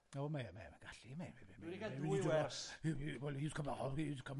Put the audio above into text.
O mae o mae o mae'n gallu . Dwi 'di ga'l dwy wers... He he well he's come he's come